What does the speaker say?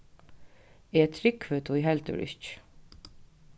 eg trúgvi tí heldur ikki